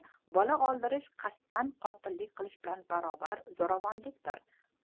bola oldirish qasddan qotillik qilish bilan baravar zo'ravonlikdir